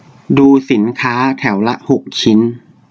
ดูสินค้าแถวละหกชิ้น